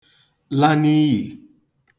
la n’iyì